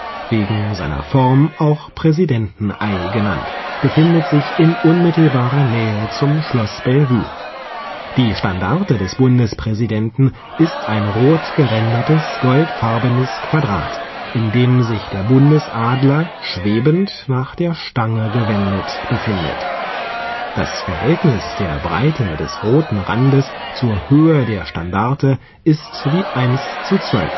wegen seiner Form auch „ Präsidentenei “genannt – befindet sich in unmittelbarer Nähe zum Schloss Bellevue. Die Standarte des Bundespräsidenten ist ein rotgerändertes, goldfarbenes Quadrat, in dem sich der Bundesadler, schwebend, nach der Stange gewendet, befindet. Das Verhältnis der Breite des roten Randes zur Höhe der Standarte ist wie 1:12